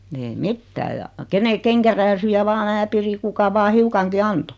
ei mitään ja kenen kenkärääsyjä vain minä pidin kuka vain hiukankin antoi